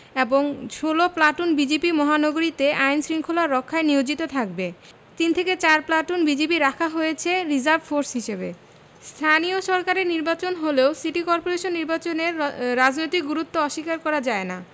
এবং ১৬ platoon BGB মহানগরীতে আইন শৃঙ্খলা রক্ষায় নিয়োজিত থাকবে তিন থেকে চার প্লাটুন বিজিবি রাখা হয়েছে রিজার্ভ ফোর্স হিসেবে স্থানীয় সরকারের নির্বাচন হলেও সিটি করপোরেশন নির্বাচনের রাজনৈতিক গুরুত্ব অস্বীকার করা যায় না